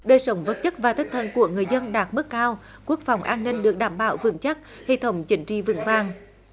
đời sống vật chất và tinh thần của người dân đạt mức cao quốc phòng an ninh được đảm bảo vững chắc hệ thống chính trị vững vàng